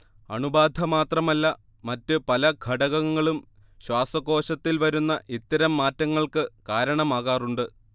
അണുബാധ മാത്രമല്ല മറ്റ് പല ഘടകങ്ങളും ശ്വാസകോശത്തിൽ വരുന്ന ഇത്തരം മാറ്റങ്ങൾക്ക് കാരണമാകാറുണ്ട്